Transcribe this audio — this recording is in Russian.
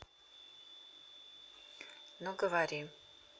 ну говори